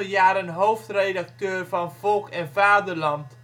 jaren hoofd­redacteur van Volk en Vaderland